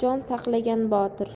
jon saqlagan botir